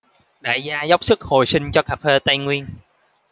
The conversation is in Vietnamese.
đại gia dốc sức hồi sinh cho cà phê tây nguyên